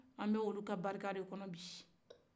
an bɛ olu ka barika de kɔnɔ bi